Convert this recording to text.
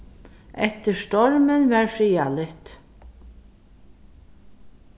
eftir stormin var friðarligt